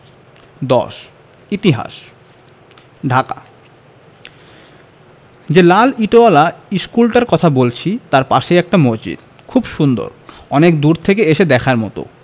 ১০ ইতিহাস ঢাকা যে লাল ইটোয়ালা ইশকুলটার কথা বলছি তাই পাশেই একটা মসজিদ খুব সুন্দর অনেক দূর থেকে এসে দেখার মতো